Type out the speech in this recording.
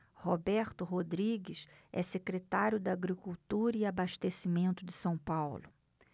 roberto rodrigues é secretário da agricultura e abastecimento de são paulo